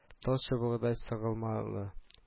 Тал чыбыгыдай сыгылмалы